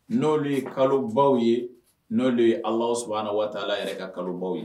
N'o ye kalobaw ye n'o de ye ala s waati taa ala yɛrɛ ka kalobaw ye